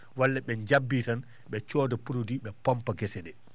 walla ɓe jabbii tan ɓe cooda produit ɓe pompa gese ɗee